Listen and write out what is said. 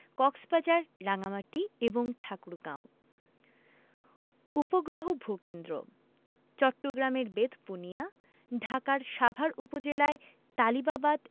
কক্সবাজার রাঙ্গামাটি এবং ঠাকুরগাঁও উপগ্রহ ভূ কেন্দ্রঃ চট্টগ্রামের বেতবুনিয়া ঢাকার সাভার উপজেলায় তালিবাবাদ